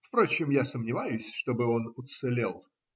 Впрочем, я сомневаюсь, чтобы он уцелел.